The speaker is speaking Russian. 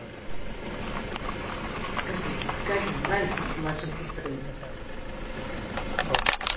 скажи как избавиться от младшей сестры